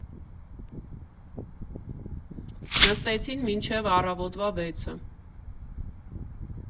Նստեցին մինչև առավոտվա վեցը։